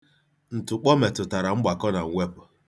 Ntụkpọ metụtara mgbakọ na mwepụ.